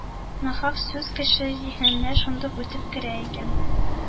Нахак сүз кеше зиһененә шундук үтеп керә икән,